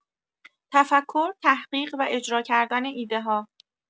تفکر، تحقیق و اجرا کردن ایده‌ها